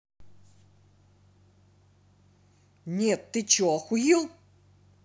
нет ты че охуел